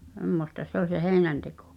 semmoista se oli se heinänteko